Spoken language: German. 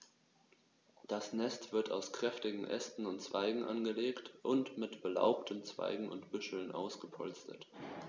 Das Nest wird aus kräftigen Ästen und Zweigen angelegt und mit belaubten Zweigen und Büscheln ausgepolstert.